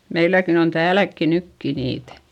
meilläkin on täälläkin nytkin niitä